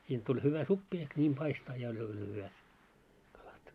siitä tuli hyvä soppa ehkä niin paistaa ja oli oli hyvät kalat